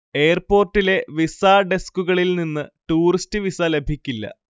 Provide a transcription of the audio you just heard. എയർപോർട്ടിലെ visa ഡെസ്കുകളിൽ നിന്ന് tourist visa ലഭിക്കില്ല